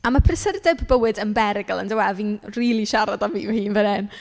A mae prysurdeb bywyd yn berygl yn dyw e. Fi'n rili siarad am fi fy hun fan hyn.